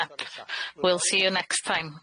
We'll see you next time.